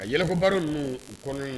A yɛlɛko baro ninnu u kɔnɔna